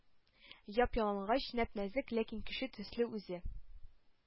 Яп-ялангач, нәп-нәзек, ләкин кеше төсле үзе;